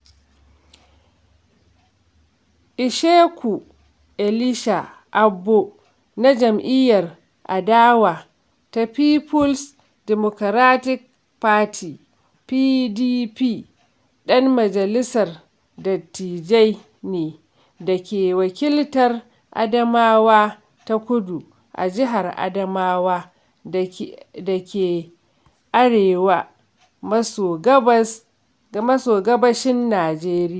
Ishaku Elisha Abbo na jam'iyyar adawa ta People's Democratic Party (PDP) ɗan majalisar dattijai ne da ke wakiltar Adamawa ta Kudu a jihar Adamawa da ke arewa maso gabashin Nijeriya.